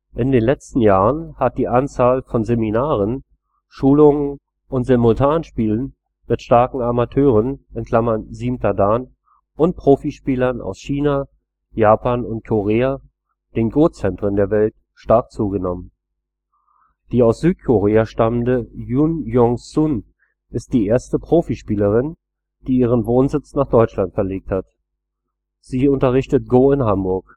In den letzten Jahren hat die Anzahl von Seminaren, Schulungen und Simultanspielen mit starken Amateuren (7. Dan) und Profispielern aus China, Japan und Korea, den Go-Zentren der Welt, stark zugenommen. Die aus Südkorea stammende Yoon Young-Sun ist die erste Profi-Spielerin, die ihren Wohnsitz nach Deutschland verlegt hat. Sie unterrichtet Go in Hamburg